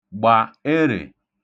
gba erè